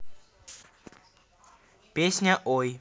песня ой